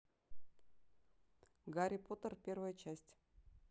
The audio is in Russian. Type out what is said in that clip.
гарри поттер первая часть